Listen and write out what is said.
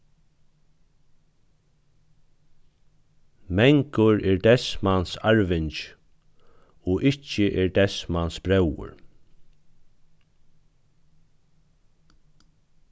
mangur er deyðs mans arvingi og ikki er deyðs mans bróðir